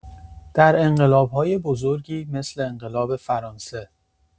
در انقلاب‌‌های بزرگی مثل انقلاب فرانسه